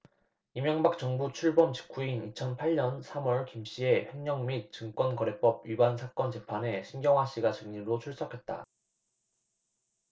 이명박 정부 출범 직후인 이천 팔 년 삼 월 김씨의 횡령 및 증권거래법 위반 사건 재판에 신경화씨가 증인으로 출석했다